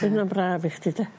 Diwrnod braf i chdi 'de?